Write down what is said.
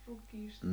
rukiista